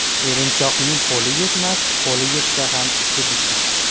erinchoqning qo'li yetmas qo'li yetsa ham ishi bitmas